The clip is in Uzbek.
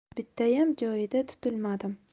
bittayam joyida tutilmadim